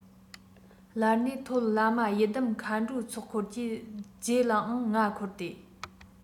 ལར ནས མཐོ བླ མ ཡི དམ མཁའ འགྲོའི ཚོགས འཁོར གྱི རྫས ལའང ང འཁོར སྟེ